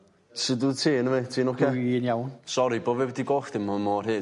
Sud wt ti eniwe? Ti'n oce? Dwi'n iawn. Sori bo' fi 'eb 'di gwel' chdi am mor hir...